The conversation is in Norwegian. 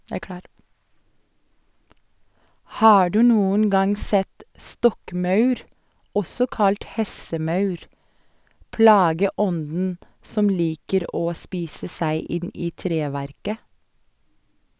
Har du noen gang sett stokkmaur, også kalt hestemaur, plageånden som liker å spise seg inn i treverket?